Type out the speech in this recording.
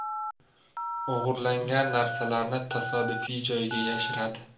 o'g'irlangan narsalarni tasodifiy joyga yashiradi